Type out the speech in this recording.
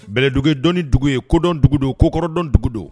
Bɛlɛdugudɔ dugu ye kodɔn dugu don ko kɔrɔdɔn dugu don